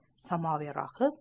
samoviy rohib